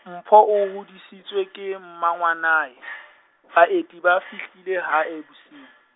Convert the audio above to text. Mpho o hodisitswe ke mmangwanae , baeti ba fihlile hae bosiu.